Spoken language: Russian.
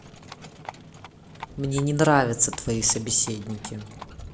мне не нравятся твои собеседку